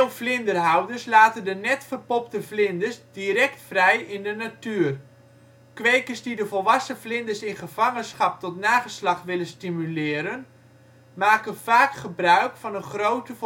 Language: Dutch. vlinderhouders laten de net verpopte vlinders direct vrij in de natuur, kwekers die de volwassen vlinders in gevangenschap tot nageslacht willen stimuleren maken vaak gebruik van een grote